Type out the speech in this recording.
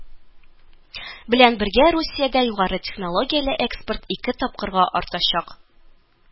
Белән бергә русиядә югары технологияле экспорт ике тапкырга артачак